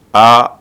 A